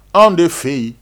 Anw de fɛ yen